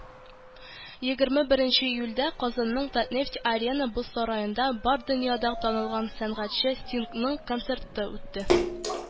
Егерме беренче июльдә Казанның "Татнефть-Арена" боз сараенда бар дөньяга танылган сәнгатьче Стингның концерты үтте.